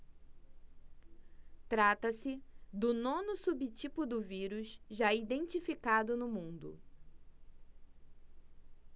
trata-se do nono subtipo do vírus já identificado no mundo